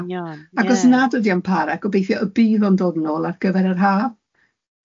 Yn union, ie. Ac os nad ydi o'n para, gobeithio y bydd o'n dod nôl ar gyfer yr haf.